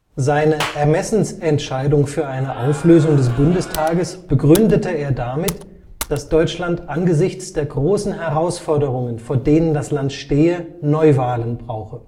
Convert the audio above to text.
Seine Ermessensentscheidung für eine Auflösung des Bundestages begründete er damit, dass Deutschland angesichts der großen Herausforderungen, vor denen das Land stehe, Neuwahlen brauche